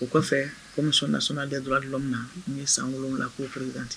O kɔfɛ ko naslen dɔrɔnlɔ min na n ye san wolowula k'oere dante